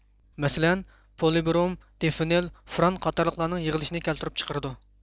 مەسىلەن پولىبروم دىفېنل فۇران قاتارلىقلارنىڭ يىغىلىشىنى كەلتۈرۈپ چىقىرىدۇ